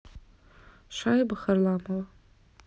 шайба харламова